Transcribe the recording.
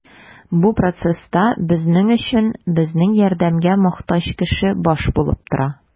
Бу процесста безнең өчен безнең ярдәмгә мохтаҗ кеше баш булып тора.